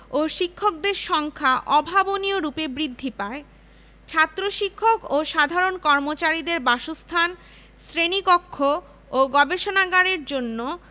ও শিক্ষকদের সংখ্যা অভাবনীয়রূপে বৃদ্ধি পায় ছাত্র শিক্ষক ও সাধারণ কর্মচারীদের বাসস্থান শ্রেণীকক্ষ ও গবেষণাগারের জন্য